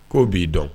K' b'i dɔn